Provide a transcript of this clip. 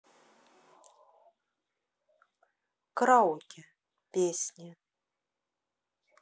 караоке песни